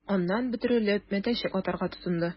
Аннан, бөтерелеп, мәтәлчек атарга тотынды...